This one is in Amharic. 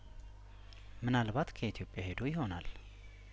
ምናልባት ከኢትዮጵያ ሄዶ ይሆናል